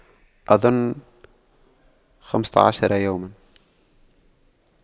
أظن خمسة عشر يوما